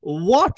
What?!